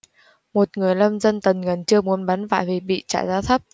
một người nông dân tần ngần chưa muốn bán vải vì bị trả giá thấp